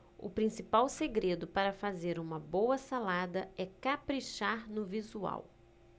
o principal segredo para fazer uma boa salada é caprichar no visual